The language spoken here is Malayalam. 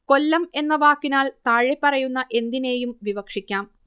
കൊല്ലം എന്ന വാക്കിനാൽ താഴെപ്പറയുന്ന എന്തിനേയും വിവക്ഷിക്കാം